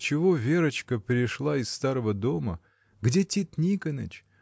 Отчего Верочка перешла из старого дома? Где Тит Никоныч?